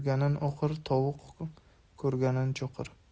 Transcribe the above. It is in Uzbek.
tovuq ko'rganin cho'qir